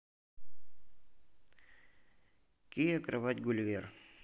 кия кровать гулливер